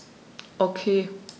Okay.